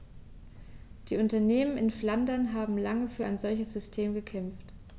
Die Unternehmen in Flandern haben lange für ein solches System gekämpft.